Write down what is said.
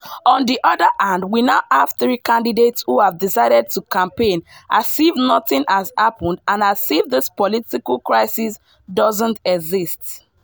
On the other hand, we now have three candidates who have decided to campaign as if nothing has happened and as if this political crisis doesn’t exist.